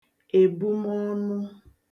èbumọnụ